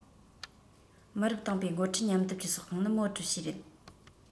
མི རབས དང པོའི འགོ ཁྲིད མཉམ སྡེབ ཀྱི སྲོག ཤིང ནི མའོ ཀྲུའུ ཞི རེད